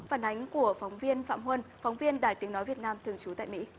phản ánh của phóng viên phạm huân phóng viên đài tiếng nói việt nam thường trú tại mỹ